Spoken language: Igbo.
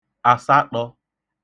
àsaṭọ̄